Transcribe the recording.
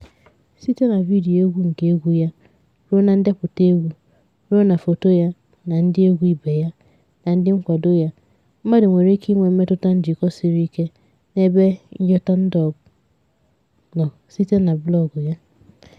Site na vidiyo egwu nke egwu ya ruo na ndepụta egwu ruo na foto ya na ndịegwu ibe ya na ndị nkwado ya, mmadụ nwere ike inwe mmetụta njikọ sịrị ike n'ebe Nyota Ndogo nọ site na blọọgụ ya.